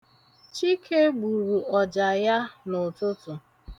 Chike gburu ọja ya n'ụtụtụ.